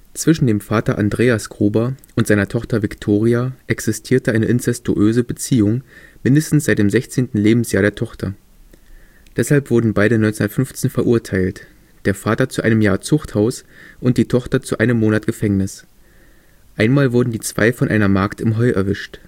Zwischen dem Vater Andreas Gruber und seiner Tochter Viktoria existierte eine inzestuöse Beziehung mindestens seit dem 16. Lebensjahr der Tochter. Deshalb wurden beide 1915 verurteilt – der Vater zu einem Jahr Zuchthaus und die Tochter zu einem Monat Gefängnis. Einmal wurden die zwei von einer Magd im Heu erwischt